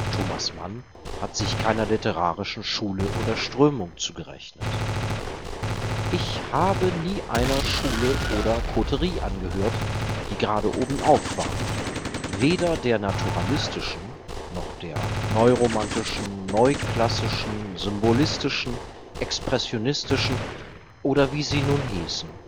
Thomas Mann hat sich keiner literarischen Schule oder Strömung zugerechnet: Ich „ habe nie einer Schule oder Koterie angehört, die gerade obenauf war, weder der naturalistischen, noch der neu-romantischen, neuklassischen, symbolistischen, expressionistischen, oder wie sie nun hießen